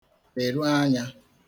leru ānyā